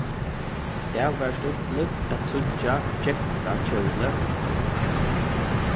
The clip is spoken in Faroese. tað var stuttligt at síggja gekkahjólið